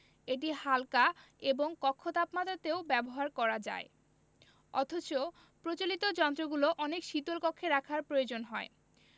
এটি হাল্কা এবং কক্ষ তাপমাত্রাতেও ব্যবহার করা যায় অথচ প্রচলিত যন্ত্রগুলো অনেক শীতল কক্ষে রাখার প্রয়োজন হয়